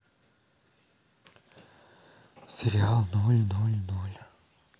сериал ноль ноль ноль